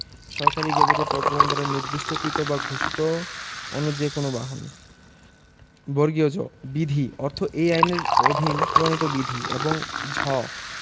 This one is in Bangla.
সরকারী গেজেটে প্রজ্ঞাপন দ্বারা নির্দিষ্টকৃত বা ঘোষিত অন্য যে কোন বাহন জ বিধি অর্থ এই আইনের অধীন প্রণীত বিধি এবং ঝ